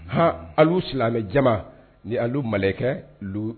Hɔn ali silamɛmɛ jama ni ali makɛ